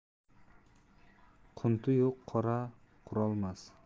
qunti yo'q qo'ra qurolmas